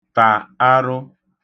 tà arụ